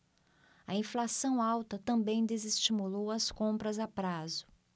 a inflação alta também desestimulou as compras a prazo